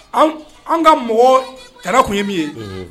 Anw ka mɔgɔw tana kun ye min ye Unhun